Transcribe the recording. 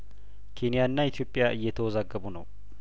ኬንያና ኢትዮጵያ እየተወዛገቡ ነው